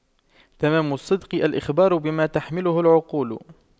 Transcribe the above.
تمام الصدق الإخبار بما تحمله العقول